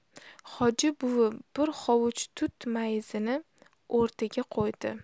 hoji buvi bir hovuch tut mayizini o'rtaga qo'ydi